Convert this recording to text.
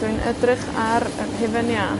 dwi'n edrych ar yr hufen iâ.